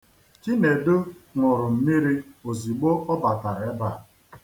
Chinedu ṅụrụ mmiri ozigbo ọ batara ebe a.